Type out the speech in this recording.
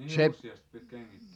niin useasti piti kengittää